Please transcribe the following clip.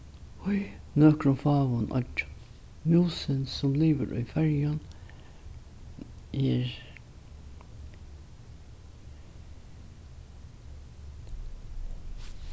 í nøkrum fáum oyggjum músin sum livir í føroyum er